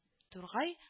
Тургай